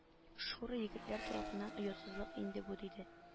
Шура егетләр тарафыннан оятсызлык инде бу диде